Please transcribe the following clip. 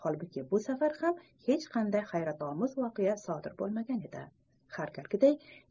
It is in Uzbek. holbuki bu safar ham hech qanday hayrotomuz voqea sodir bo'lmagan edi har galgiday